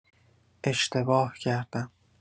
اشتباه کردم.